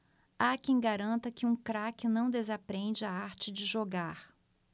há quem garanta que um craque não desaprende a arte de jogar